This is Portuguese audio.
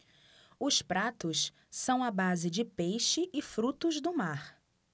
os pratos são à base de peixe e frutos do mar